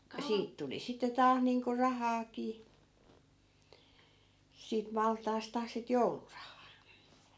kun siitä tuli sitten taas niin kuin rahaakin siitä maltaasta sitä joulurahaa